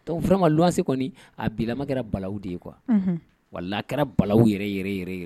Dɔnkuma luwase kɔni a bila kɛra balalaw de ye kuwa wala la kɛra balalaw yɛrɛ yɛrɛ yɛrɛ ye